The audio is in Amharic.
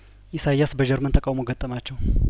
ኢሳያስ በጀርመን ተቃውሞ ገጠማቸው